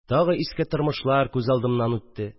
Тагы иске тормышлар күз алдымнан үтте